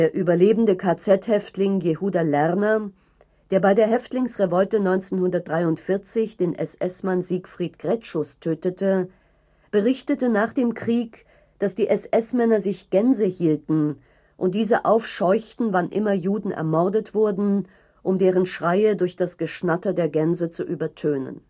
überlebende KZ-Häftling Yehuda Lerner (der bei der Häftlingsrevolte 1943 den SS-Mann Siegfried Graetschus tötete) berichtete nach dem Krieg, dass die SS-Männer sich Gänse hielten und diese aufscheuchten, wann immer Juden ermordet wurden, um deren Schreie durch das Geschnatter der Gänse zu übertönen